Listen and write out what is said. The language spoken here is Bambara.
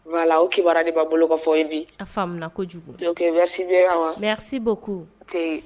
Wala o kiba de b'a bolofɔ ye bi a fa kojugu bɛ yansi bɔ ko